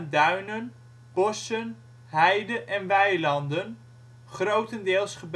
duinen, bossen, heide en weilanden, grotendeels